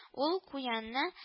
Ул куянны